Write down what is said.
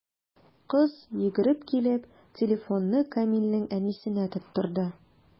Кыз, йөгереп килеп, телефонны Камилнең әнисенә тоттырды.